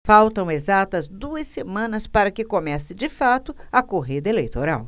faltam exatas duas semanas para que comece de fato a corrida eleitoral